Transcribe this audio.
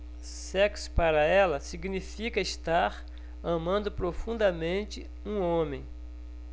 sexo para ela significa estar amando profundamente um homem